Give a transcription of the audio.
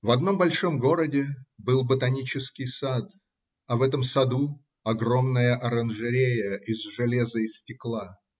В одном большом городе был ботанический сад, а в этом саду – огромная оранжерея из железа и стекла.